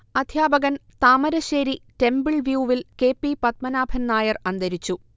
അധ്യാപകൻ താമരശ്ശേരി ടെമ്പിൾവ്യൂവിൽ K. P. Padmanabhan Nair അന്തരിച്ചു